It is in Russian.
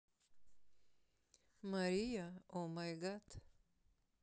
мария о май гад